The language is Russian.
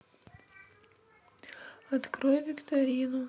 открой викторину